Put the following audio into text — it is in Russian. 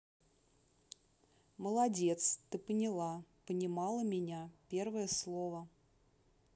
молодец ты поняла понимала меня первое слово